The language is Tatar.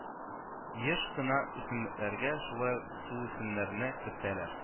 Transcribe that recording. Еш кына үсемлекләргә шулай ук суүсемнәрне кертәләр